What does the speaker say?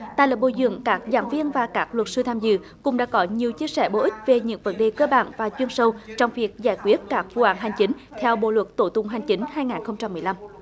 tại lớp bồi dưỡng các giảng viên và các luật sư tham dự cũng đã có nhiều chia sẻ bổ ích về những vấn đề cơ bản và chuyên sâu trong việc giải quyết các vụ án hành chính theo bộ luật tố tụng hành chính hai ngàn không trăm mười lăm